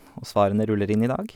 Og svarene ruller inn i dag.